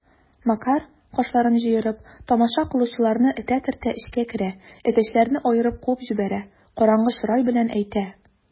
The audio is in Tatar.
Макар, кашларын җыерып, тамаша кылучыларны этә-төртә эчкә керә, әтәчләрне аерып куып җибәрә, караңгы чырай белән әйтә: